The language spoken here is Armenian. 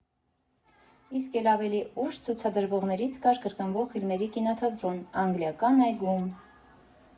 Իսկ էլ ավելի ուշ ցուցադրվողներից կար կրկնվող ֆիլմերի կինոթատրոն՝ Անգլիական այգում։